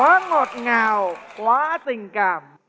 quá ngọt ngào quá tình cảm